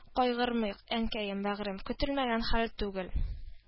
-кайгырмыйк, әнкәем, бәгырем, көтелмәгән хәл түгел